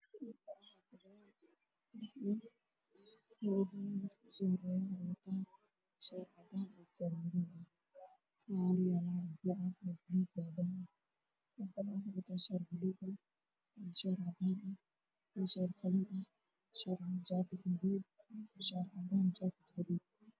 Halkaan waxaa ka muuqdo labo nin mid uu ookiyaalo madaw ah wato shaatigiisana waa cadays iyo saacad dahabi ah kan kale waxaa uu wataa shaati buluug ah